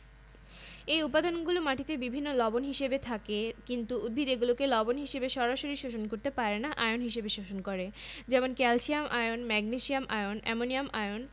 জীবকোষের D N A R N A N A D P A T P প্রভৃতির গাঠনিক উপাদান কাজেই এটি ছাড়া উদ্ভিদের পুষ্টি একেবারেই সম্ভব নয় উদ্ভিদের মূল বৃদ্ধির জন্য ফসফরাস অত্যন্ত প্রয়োজনীয় উপাদান আয়রন